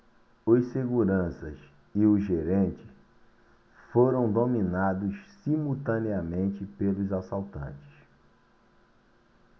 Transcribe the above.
os seguranças e o gerente foram dominados simultaneamente pelos assaltantes